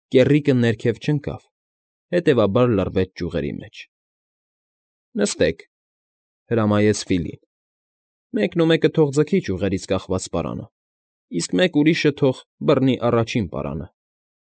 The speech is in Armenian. Կեռրիկը ներքև չընկավ, հետևաբար լռվեց ճյուղերի մեջ։ ֊ Նստեք,֊ հրամայեց Ֆիլին, մեկնումեկը թող ձգի ճյուղերից կախված պարանը, իսկ մեկ ուրիշը թող բռնի առաջին պարանը։